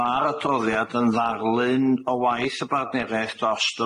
Ma'r adroddiad yn ddarlun o waith y bardneriaeth drost